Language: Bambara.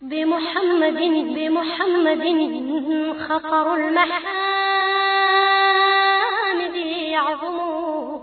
Denmumusoninminila yo